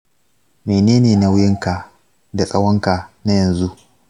menene nauyinka da tsawonka na yanzu?